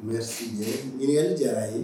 Merci ɲinikali jara n ye.